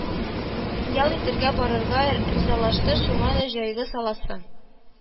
Ял итәргә барырга ризалашты, шуңа да җайга саласы